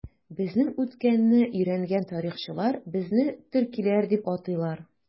Безнең үткәнне өйрәнгән тарихчылар безне төркиләр дип атыйлар.